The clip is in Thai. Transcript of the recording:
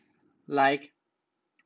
ไลค์